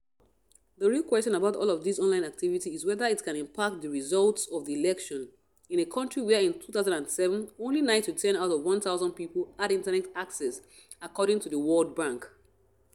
The real question about all of this online activity is whether it can impact the results of the election, in a country where in 2007, only 9-10 out of 1000 people had internet access according to the World Bank.